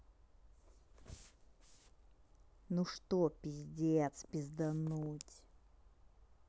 ну что пиздец пиздануть